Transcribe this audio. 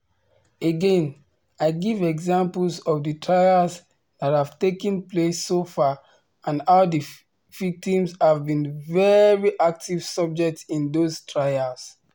Again, I give examples of the trials that have taken place so far and how the victims have been very active subjects in those trials.